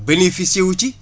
bénéficié wu c